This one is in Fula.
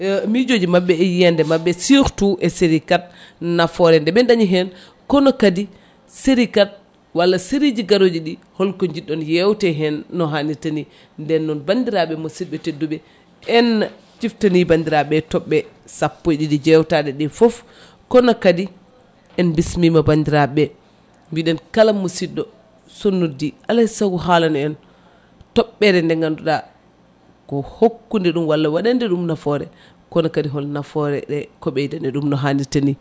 mijoji mabɓe e yiyande mabɓe surtout e série 4 nafoore deɓe dañi hen kono kadi série 4 walla série ji garojiɗi holko jiɗɗon yewte hen no hannirta ni nden noon badiraɓe musidɓe tedduɓe en ciftani bandiraɓe tobbe sappo e ɗiɗi jewtaɗe ɗe foof kono kadi en bismima bandirɓe mbiɗen kala musidɗo so noddi alay saago haalana en toɓɓere nde ganduɗa ko hokkude ɗum walla waɗande ɗum nafoore kono kadi hol nafoore ɗe ko ɓeydande ɗum no hannirta ni